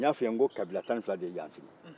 n y'a f'i ye ko kabila tan ni fila de ye yan sigi